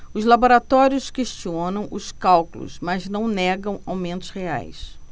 os laboratórios questionam os cálculos mas não negam aumentos reais